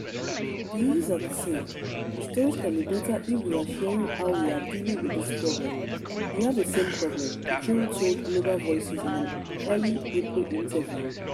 The issues are the same; the stories can be better if we are sharing how we are dealing with this problem; we have the same problem,” Gicheru told Global Voices in an early April interview.